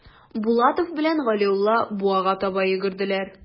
Булатов белән Галиулла буага таба йөгерделәр.